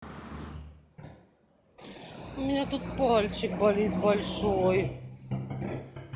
у меня тут пальчик болит большой